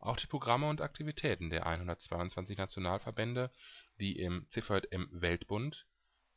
Auch die Programme und Aktivitäten der 122 Nationalverbände, die im CVJM-Weltbund